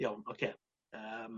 Iawn oce yym.